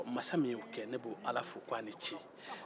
masa min y'o kɛ ne b'o ala fo k'a ni ce